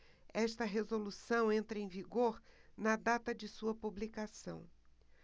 esta resolução entra em vigor na data de sua publicação